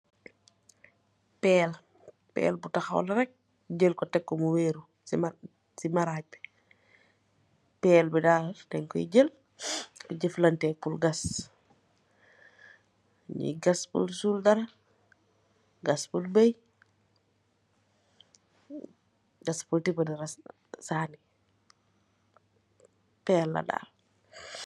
perl bunj wehrr ce marajbi.